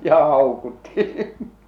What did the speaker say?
ja haukutti